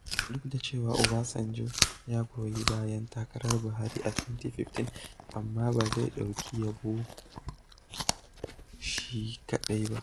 Duk da cewa Obasanjo ya goyi bayan takarar Buhari a 2015, amma ba zai ɗauki yabo shi kaɗai ba.